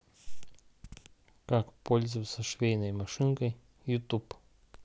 как пользоваться швейной машинкой ютуб